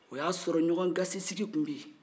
o y'a sɔrɔ ɲɔgɔgasisigi tun bɛ yen